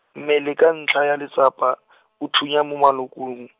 mmele ka ntlha ya letsapa , o thunya mo malokololong.